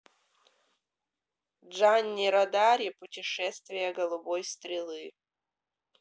джанни родари путешествие голубой стрелы